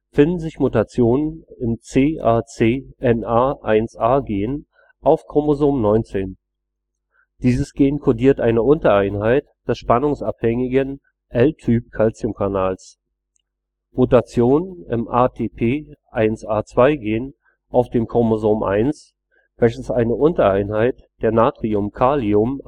finden sich Mutationen im CACNA1A Gen auf Chromosom 19. Dieses Gen codiert eine Untereinheit des spannungsabhängigen L-Typ-Calciumkanals. Mutationen im ATP1A2 Gen auf dem Chromosom 1, welches eine Untereinheit der Natrium-Kalium-ATPase